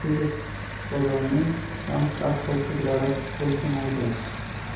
xiggs bozonining ham har xil turlari bo'lishi mumkin